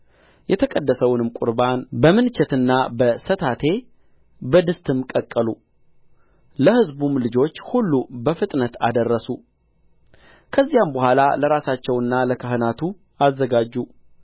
የተቀደሰውንም ቍርባን በምንቸትና በሰታቴ በድስትም ቀቀሉ ለሕዝቡም ልጆች ሁሉ በፍጥነት አደረሱ ከዚያም በኋላ ለራሳቸውና ለካህናቱ አዘጋጁ